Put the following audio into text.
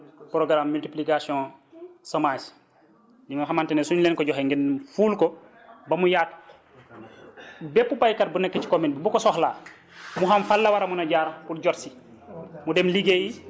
donc mooy que programme multiplication semences yi nga xamante ne suñ leen ko joxee ngeen ful ko ba mu yaatu bépp béykat bu nekk ci commune bi bu ko soxlaa mu xam fan la war a mën a jaar pour jot si